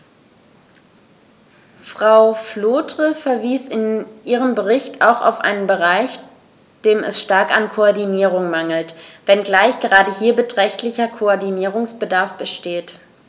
Frau Flautre verwies in ihrem Bericht auch auf einen Bereich, dem es stark an Koordinierung mangelt, wenngleich gerade hier beträchtlicher Koordinierungsbedarf besteht.